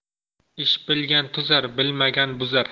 ish bilgan tuzar bilmagan buzar